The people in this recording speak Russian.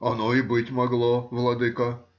— Оно и быть могло, владыко!